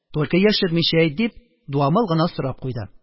Только яшермичә әйт, – дип, дуамал гына сорап куйды.